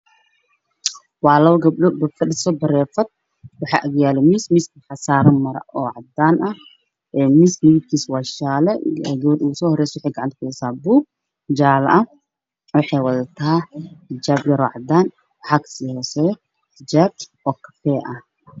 Waa labo gabdho oo fadhiso bareefad waxaa agyaalo miis waxaa saaran maro cadaan ah, miiska midabkiisu waa jaale, gabadha ugu soo horeyso waxay gacanta kuheysaa buug jaale ah, waxay wataa xijaab yar oo cadaan ah, waxaa kasii hooseeyo xijaab kafay ah.